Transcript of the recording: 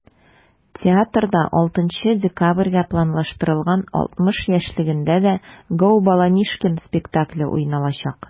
Театрда 6 декабрьгә планлаштырылган 60 яшьлегендә дә “Gо!Баламишкин" спектакле уйналачак.